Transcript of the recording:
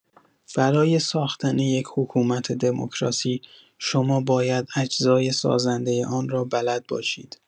برای ساختن یک حکومت دموکراسی، شما باید اجزای سازنده آن را بلد باشید.